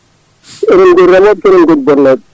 ko enen gooni remoɓe ko enen gooni bonnoɓe